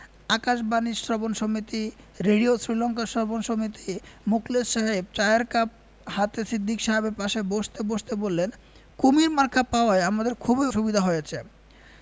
আকাশবাণী শ্রবণ সমিতি রেডিও শীলংকা শ্রবণ সমিতি মুখলেস সাহেব চায়ের কাপ হাতে সিদ্দিক সাহেবের পাশে বসতে বসতে বললেন কুমীর মার্কা পাওয়ায় আমাদের খুবই সুবিধা হয়েছে